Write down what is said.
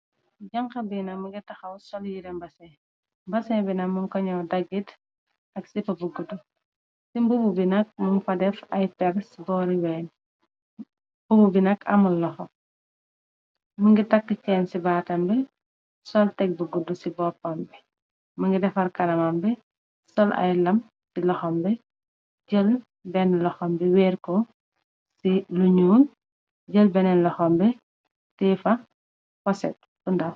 Janxa bina mi ngi taxaw sol yire mbasin mbasin bina mun koñow daggit ak sipa bu gudd ci mbubbu bi nak mum fa def ay pers boori ween bubbu bi nag amul loxo mi ngi takk cenn ci baatambi sol teg bu gudd ci boppam bi mi ngi defar kanamam bi sol ay lam ci loxambi jël benn loxombi weerko ci lu ñuul jël benen loxombi teefa posetd bou ndow.